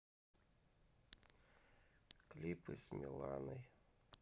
клипы с миланой